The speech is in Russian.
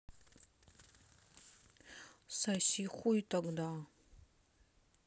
соси хуй тогда